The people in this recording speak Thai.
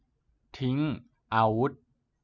ทิ้งอาวุธ